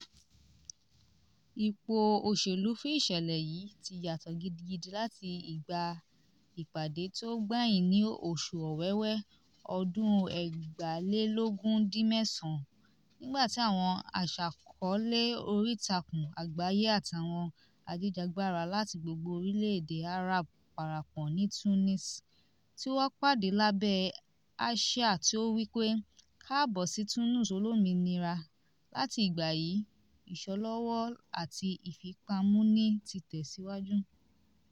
Ipò òṣèlú fún ìṣẹ̀lẹ̀ yìí ti yàtọ̀ gidigidi láti ìgbà ìpàdé tí ó gbẹ̀yìn ní oṣù Ọ̀wẹ̀wẹ̀ ọdún 2011, nígbà tí àwọn aṣàkọọ́lẹ̀ oríìtakùn àgbáyé àti àwọn ajìjàgbara láti gbogbo orílẹ̀-èdè Arab parapọ̀ ní Tunis, tí wọ́n pàdé lábẹ́ àsíà tí ó wí pé: "Káàbọ̀ sí Tunis Olómìnira." Láti ìgbà yìí, ìṣọ́lọ́wọ́ àti ìfipámúni ti tẹ̀síwájú.